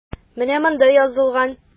Менә монда язылган.